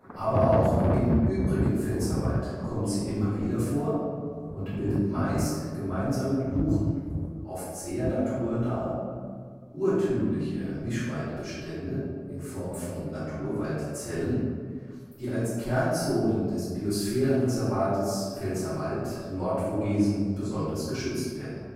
Aber auch im übrigen Pfälzerwald kommt sie immer wieder vor und bildet meist gemeinsam mit Buchen oft sehr naturnahe, urtümliche Mischwaldbestände (Naturwaldzellen), die als Kernzonen des Biosphärenreservates Pfälzerwald-Nordvogesen besonders geschützt werden